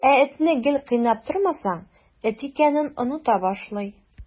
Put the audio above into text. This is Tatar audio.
Ә этне гел кыйнап тормасаң, эт икәнен оныта башлый.